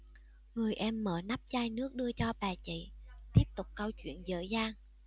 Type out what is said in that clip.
người em mở nắp chai nước đưa cho bà chị tiếp tục câu chuyện dở dang